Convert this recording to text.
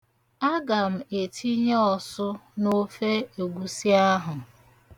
Aga m etinye ọsụ n'ofe egwusi ahụ.